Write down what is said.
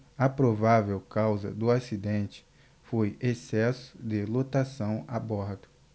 a provável causa do acidente foi excesso de lotação a bordo